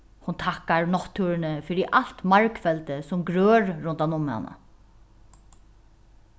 hon takkar náttúruni fyri alt margfeldið sum grør rundan um hana